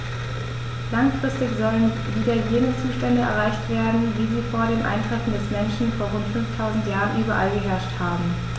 Langfristig sollen wieder jene Zustände erreicht werden, wie sie vor dem Eintreffen des Menschen vor rund 5000 Jahren überall geherrscht haben.